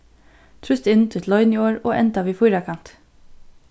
trýst inn títt loyniorð og enda við fýrakanti